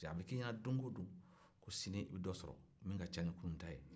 a bɛ k'i ɲɛna don o don ko sinin i bɛ dɔ sɔrɔ min ka ca ni kunun ta ye